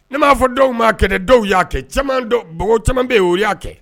Ne m'a fɔ dɔw'a kɛnɛ dɔw y'a kɛ caman bɛ' u y'a kɛ